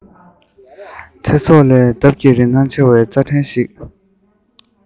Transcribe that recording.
ཚེ སྲོག ལས ལྡབ ཀྱིས རིན ཐང ཆེ བའི རྩྭ ཕྲན ཞིག